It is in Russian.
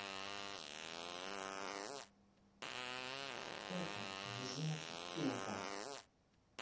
это не значит это